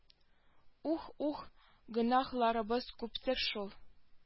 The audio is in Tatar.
Ух-ух гөнаһларыбыз күптер шул